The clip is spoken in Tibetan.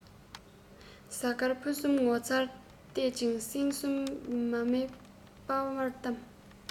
གཟའ སྐར ཕུན ཚོགས ངོ མཚར ལྟས བཅས སྲིང ཆུང མ མའི སྤ བར བལྟམས